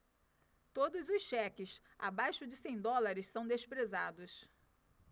todos os cheques abaixo de cem dólares são desprezados